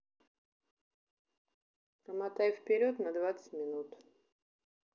промотай вперед на двадцать минут